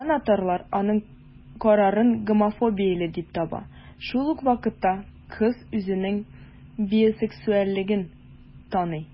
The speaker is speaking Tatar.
Җанатарлар аның карарын гомофобияле дип таба, шул ук вакытта кыз үзенең бисексуальлеген таный.